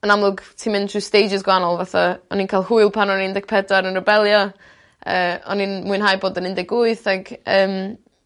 Yn amlwg ti'n mynd trwy stages gwanol fatha o'n i'n ca'l hwyl pan o'n i un deg pedwar yn rebelio. Yy o'n i'n mwynhau bod yn un deg wyth ag yym